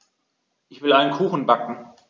Ich will einen Kuchen backen.